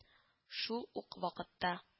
Шул ук вакытта